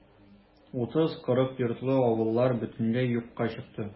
30-40 йортлы авыллар бөтенләй юкка чыкты.